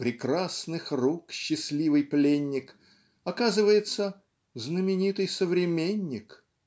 "прекрасных рук счастливый пленник" оказывается "знаменитый современник"